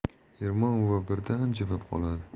ermon buva birdan jimib qoladi